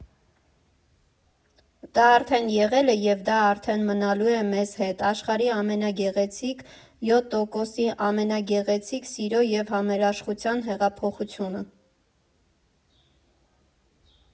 Դա արդեն եղել է և դա արդեն մնալու է մեզ հետ՝ աշխարհի ամենագեղեցիկ «յոթ տոկոսի» ամենագեղեցիկ սիրո և համերաշխության հեղափոխությունը։